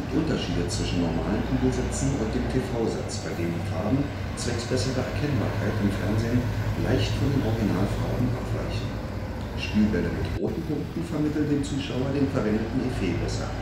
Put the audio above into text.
Unterschiede zwischen normalen Kugelsätzen und dem TV-Satz, bei dem die Farben zwecks besserer Erkennbarkeit im Fernsehen leicht von den Originalfarben abweichen. Spielbälle mit roten Punkten vermitteln den Zuschauern den verwendeten Effet besser